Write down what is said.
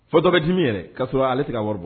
Fɔ dɔɛrɛjimi yɛrɛ kaa sɔrɔ ale se ka wari bɔ